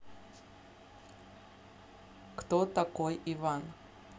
кто такой иван